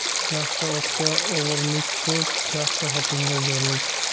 yaxshi otga o'g'irlik ko'p yaxshi xotinga zo'rlik